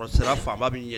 Sera faama bɛ